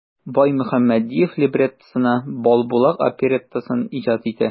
Баймөхәммәдев либреттосына "Балбулак" опереттасын иҗат итә.